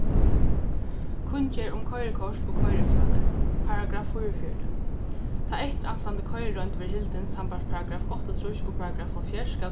kunngerð um koyrikort og koyrifrálæru paragraff fýraogfjøruti tá eftiransandi koyriroynd verður hildin sambært paragraff áttaogtrýss og paragraff hálvfjerðs skal